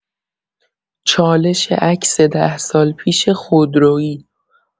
چالش عکس ده سال پیش خودرویی!